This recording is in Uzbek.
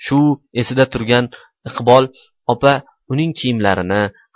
shu esida turgan iqbol opa uning kiyimlarini